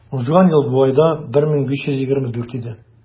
Узган ел бу айда 1524 иде.